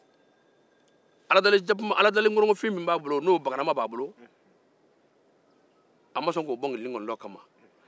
a ma sɔn k'a ka aladelinkorongo bɔ nkilintinkolonto kama